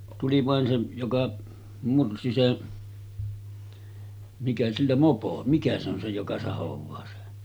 tuli vain se joka mursi se mikä sillä mopo mikä se on se joka sahaa se